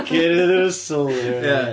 Cyn iddyn nhw sylwi arna fi... ia.